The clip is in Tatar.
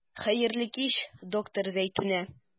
Хәерле кич, доктор Зәйтүнә.